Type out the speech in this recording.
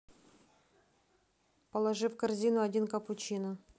положи в корзину один капучино